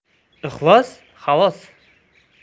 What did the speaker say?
ixlos xalos